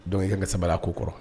Donc i ye n ka sabara ko